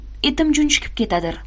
etim junjikib ketadir